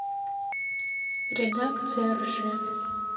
редакция ржев